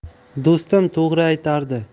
do'stim to'g'ri aytardi